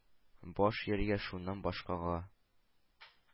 Баш ияргә шуннан башкага!